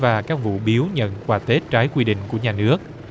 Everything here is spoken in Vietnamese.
và các vụ biếu nhận quà tết trái quy định của nhà nước